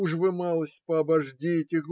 Уж вы малость пообождите.